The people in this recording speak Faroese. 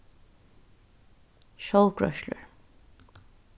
sjálvgreiðslur